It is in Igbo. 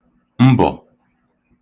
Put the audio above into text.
mbọ̀